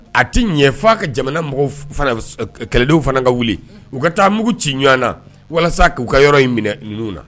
A tɛ ɲɛ f'a ka jamana mɔgɔw kɛlɛdenw fana ka wuli u ka taa mugu ci ɲɔgɔn na walasa k'u ka yɔrɔ in minɛ ninnu na.